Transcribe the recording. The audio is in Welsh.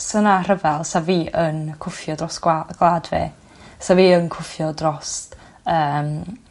Sa 'na rhyfel sa fi yn cwffio dros gwa- gwlad fi. Sa fi yn cwffio drost yym